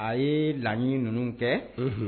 A ye laɲini ninnu kɛ